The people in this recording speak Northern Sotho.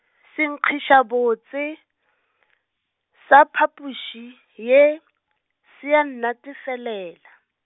senkgišabose sa phapoši ye, se a nnatefelela.